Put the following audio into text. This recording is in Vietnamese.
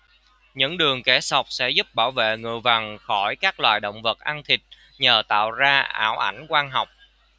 những đường kẻ sọc sẽ giúp bảo vệ ngựa vằn khỏi các loài động vật ăn thịt nhờ tạo ra ảo ảnh quang học